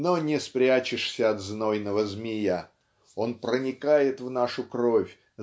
Но не спрячешься от знойного змия -- он проникает в нашу кровь